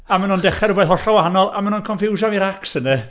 A maen nhw'n dechrau rhywbeth hollol wahanol, a maen nhw'n conffiwsio fi'n racs ynde!